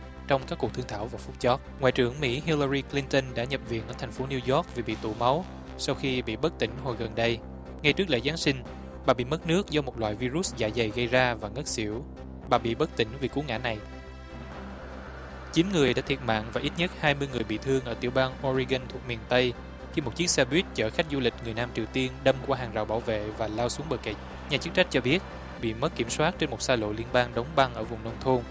trong các cuộc thương thảo vào phút chót ngoại trưởng mỹ hi la ry cờ lin tân đã nhập viện ở thành phố niu doóc vì bị tụ máu sau khi bị bất tỉnh hồi gần đây ngày trước lễ giáng sinh bà bị mất nước do một loại vi rút dạ dày gây ra và ngất xỉu bà bị bất tỉnh vì cú ngã này chín người đã thiệt mạng và ít nhất hai mươi người bị thương ở tiểu bang o ri gân thuộc miền tây khi một chiếc xe buýt chở khách du lịch người nam triều tiên đâm qua hàng rào bảo vệ và lao xuống bờ cày nhà chức trách cho biết bị mất kiểm soát trên một xa lộ liên bang đóng băng ở vùng nông thôn